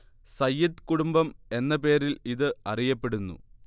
സയ്യിദ് കുടുംബം എന്ന പേരിൽ ഇത് അറിയപ്പെടുന്നു